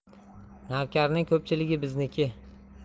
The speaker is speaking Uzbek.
navkarning ko'pchiligi bizniki